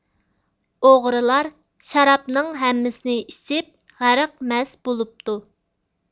ئوغرىلار شارابنىڭ ھەممىسىنى ئىچىپ غەرق مەست بولۇپتۇ